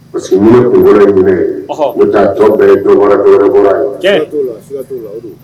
Parce si tunkara in minɛ u taa tɔ bɛɛ ye bɔra